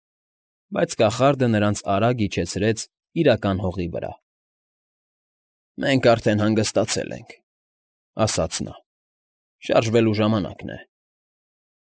Բայց կախարդը նրանց արագ իջեցրեց իրական հողի վրա։ ֊ Մենք արդեն հանգստացել ենք,֊ ասաց նա,֊ շարժվելու ժամանակն է։